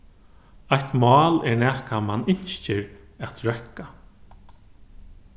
eitt mál er nakað mann ynskir at røkka